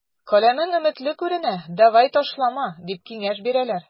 Каләмең өметле күренә, давай, ташлама, дип киңәш бирәләр.